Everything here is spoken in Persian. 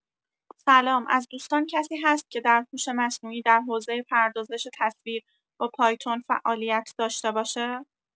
سلام از دوستان کسی هست که در هوش مصنوعی در حوزه پردازش تصویر با پایتون فعالیت داشته باشه؟